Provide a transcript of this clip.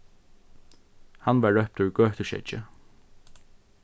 hann var róptur gøtuskeggi